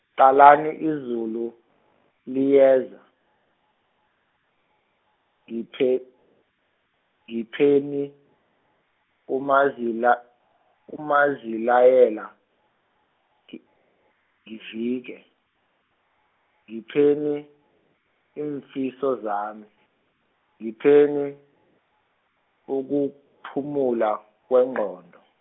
qalani izulu , liyeza, ngiphe, ngipheni, umazila-, umazilayela, ngi- ngivike, ngipheni, iimfiso zami, ngipheni, ukuphumula kwengqondo.